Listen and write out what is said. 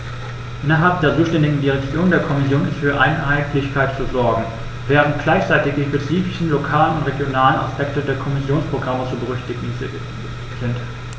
Innerhalb der zuständigen Direktion der Kommission ist für Einheitlichkeit zu sorgen, während gleichzeitig die spezifischen lokalen und regionalen Aspekte der Kommissionsprogramme zu berücksichtigen sind.